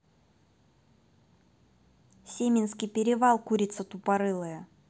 семинский перевал курица тупорылая